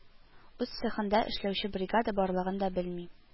Үз цехында эшләүче бригада барлыгын да белми